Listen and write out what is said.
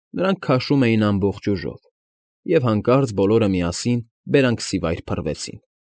Նրանք քաշում էին ամբողջ ուժով, և հանկարծ բոլորը միասին բերանքսիվայր փռվեցին։